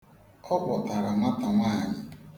Ọ kpọtara nwatanwaanyị.